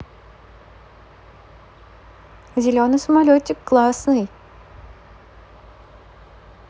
зеленый самолетик классный